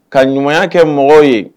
Ka ɲuman kɛ mɔgɔw ye